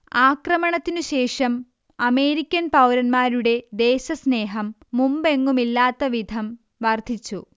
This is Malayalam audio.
ആക്രമണത്തിനു ശേഷം അമേരിക്കൻ പൗരന്മാരുടെ ദേശസ്നേഹം മുമ്പെങ്ങുമില്ലാത്ത വിധം വർദ്ധിച്ചു